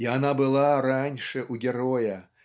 и она была раньше у героя,